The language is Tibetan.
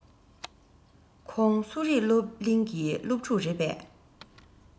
ཁོང གསོ རིག སློབ གླིང གི སློབ ཕྲུག རེད པས